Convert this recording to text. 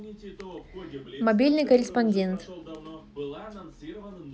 мобильный корреспондент